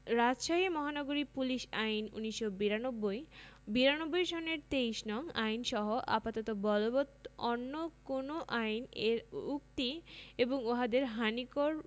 রাজশাহী মহানগরী পুলিশ আইন ১৯৯২ ৯২ সনের ২৩ নং আইন সহ আপাতত বলবৎ অন্য কোন আইন এর অরিক্তি এবংউহাদের হানিকর